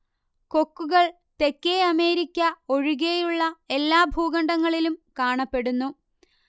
കൊക്കുകൾ തെക്കേ അമേരിക്ക ഒഴികെയുള്ള എല്ലാ ഭൂഖണ്ഡങ്ങളിലും കാണപ്പെടുന്നു